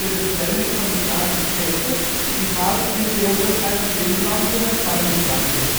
bescherming van de Spaanse schepen die goud en zilver uit de binnenlanden naar Spanje brachten